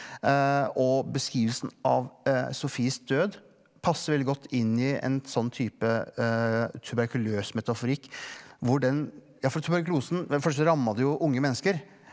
og beskrivelsen av Sofies død passer veldig godt inn i en sånn type tuberkuløs metaforikk hvor den ja for tuberkulosen først så ramma det jo unge mennesker.